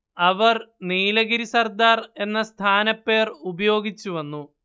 അവർ നീലഗിരി സർദാർ എന്ന സ്ഥാനപ്പേർ ഉപയോഗിച്ചു വന്നു